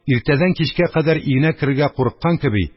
Иртәдән кичкә кадәр өенә керергә курыккан кеби,